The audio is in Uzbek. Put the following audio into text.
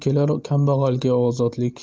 kelar kambag'alga ozodlik